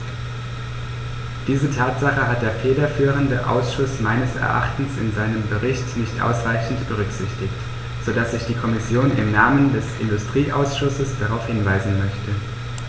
Diese Tatsache hat der federführende Ausschuss meines Erachtens in seinem Bericht nicht ausreichend berücksichtigt, so dass ich die Kommission im Namen des Industrieausschusses darauf hinweisen möchte.